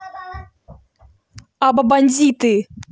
abba бандиты